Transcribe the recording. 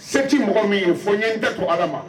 Seti mɔgɔ min ye, o fɔ n ye n ta to ala ma.